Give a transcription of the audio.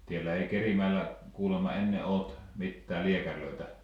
täällä ei Kerimäellä kuulemma ennen ollut mitään lääkäreitä